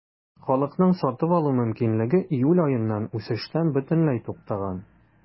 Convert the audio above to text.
Халыкның сатып алу мөмкинлеге июль аеннан үсештән бөтенләй туктаган.